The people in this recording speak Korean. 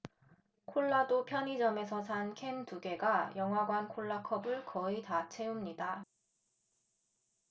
콜라도 편의점에서 산 캔 두 개가 영화관 콜라 컵을 거의 다 채웁니다